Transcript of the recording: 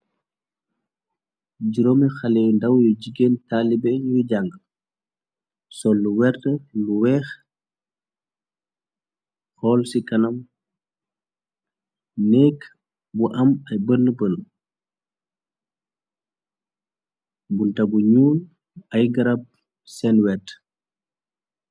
Juróomi xaley ndaw yu jigéen taalibe nyuy jàng. Sol lu wert, lu weex. Xool ci kanam nekk bu am ay bërn bërn..Bbunte bu ñuul ay garab seen wet.